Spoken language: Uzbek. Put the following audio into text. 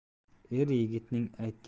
er yigitning aytgani